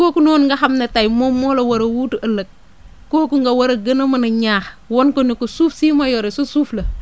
kooku noonu nga xam ne tey moom moo la war a wuutu ëllëg kooku nga war a gën a mën a ñaax wan ko ne suuf sii ma yore sa suuf la